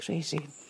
Crazy.